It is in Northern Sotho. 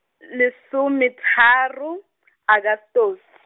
lesometharo , Agostose.